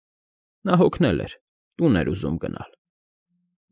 Նա հոգնել էր, տուն էր ուզում գնալ։